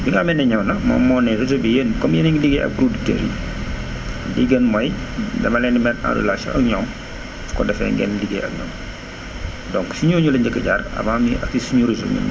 bi ñu xamee ne ñëw na moom moo ne réseau bi yéen comme yéen a ngi liggéey ak producteurs yi li gën mooy dama leen di mettre en relation ak ñoom su ko defee ngeen liggéey ak ñoom donc si ñooñu la njëkk a jaar avant ñuy àgg si suñu réseau bi